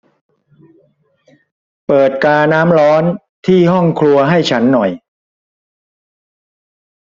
เปิดกาน้ำร้อนที่ห้องครัวให้ฉันหน่อย